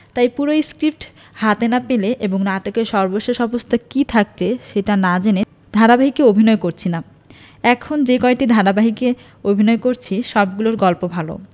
তাই পুরো স্ক্রিপ্ট হাতে না পেলে এবং নাটকের সর্বশেষ অবস্থা কী থাকছে সেটি না জেনে ধারাবাহিকে অভিনয় করছি না এখন যে কয়টি ধারাবাহিকে অভিনয় করছি সবগুলোর গল্প ভালো